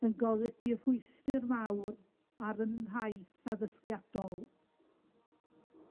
yn golygu rhwystir mawr ar fy nhaith addysgiadol.